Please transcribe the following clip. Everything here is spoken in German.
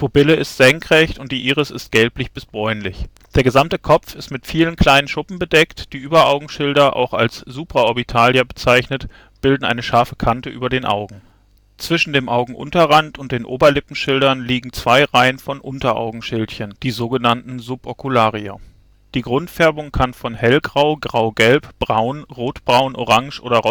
Pupille ist senkrecht und die Iris ist gelblich bis bräunlich. Der gesamte Kopf ist mit vielen kleinen Schuppen bedeckt, die Überaugenschilder, auch als Supraorbitalia bezeichnet, bilden eine scharfe Kante über den Augen. Zwischen dem Augenunterrand und den Oberlippenschildern liegen zwei Reihen von Unteraugenschildchen, die sogenannten Subocularia. Die Grundfärbung kann von Hellgrau, Graugelb, Braun, Rotbraun, Orange oder